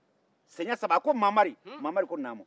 siɲɛ saba a ko mamari mamari ko naamu